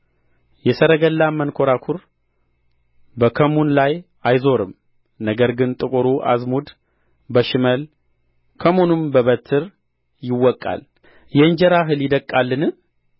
የሰረገላም መንኰራኵር በከሙን ላይ አይዞርም ነገር ግን ጥቁሩ አዝሙድ በሽመል ከሙኑም በበትር ይወቃል የእንጀራ እህል ይደቅቃልን